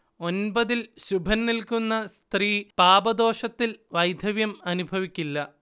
ഒൻപതിൽ ശുഭൻ നിൽക്കുന്ന സ്ത്രീ പാപദോഷത്തിൽ വൈധവ്യം അനുഭവിക്കില്ല